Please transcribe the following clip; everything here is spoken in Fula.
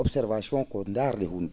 observation ko ndaarde hunnde